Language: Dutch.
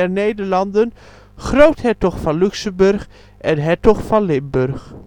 Nederlanden, groothertog van Luxemburg en hertog van Limburg